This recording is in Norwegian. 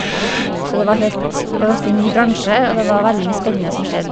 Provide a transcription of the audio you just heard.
Så det var helt det var ganske ny bransje, og det var veldig mye spennende som skjedde.